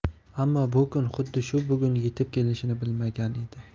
ammo bu kun xuddi shu bugun yetib kelishini bilmagan edi